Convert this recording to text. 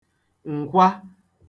ǹkwa